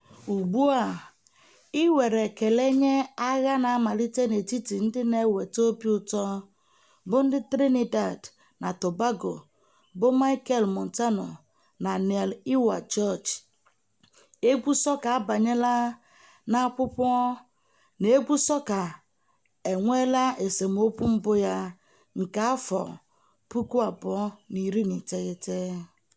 Ugbu a, iwere ekele nye agha na-amalite n'etiti ndị na-ewete obi ụtọ bụ ndị Trinidad na Tobago bụ Machel Montano na Neil "Iwer" George, egwu sọka abanyeela n'akwụkwọ na egwu sọka enweela esemokwu mbụ ya nke 2019.